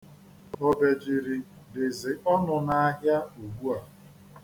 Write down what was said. Obejiri dịzị ọnụ n'ahịa ugbua.